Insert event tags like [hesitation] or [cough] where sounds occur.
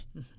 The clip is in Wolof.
[hesitation] [hesitation]